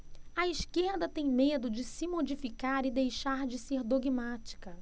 a esquerda tem medo de se modificar e deixar de ser dogmática